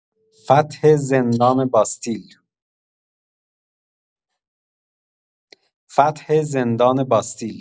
فتح زندان باستیل